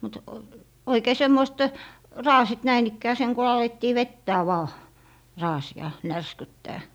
mutta oikein semmoiset raasit näin ikään sen kun alettiin vetää vain raasia närskyttää